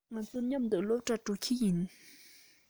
ང ཚོ སློབ གྲྭར འགྲོ གི ཡིན